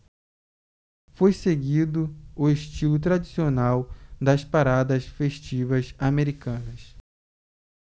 foi seguido o estilo tradicional das paradas festivas americanas